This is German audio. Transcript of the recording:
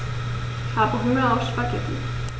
Ich habe Hunger auf Spaghetti.